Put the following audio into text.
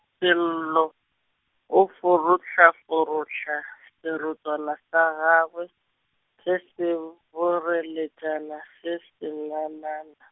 Sello, o forohlaforohla serotswana sa gagwe, se se boreletšana se senanana.